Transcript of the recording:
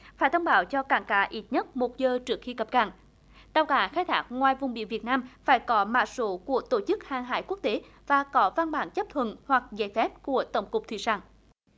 phải thông báo cho cảng cá ít nhất một giờ trước khi cập cảng tàu cá khai thác ngoài vùng biển việt nam phải có mã số của tổ chức hàng hải quốc tế và có văn bản chấp thuận hoặc giấy phép của tổng cục thủy sản